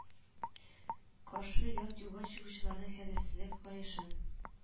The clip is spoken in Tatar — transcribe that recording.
Каршы як юлга чыгучыларны, хәвефсезлек каешын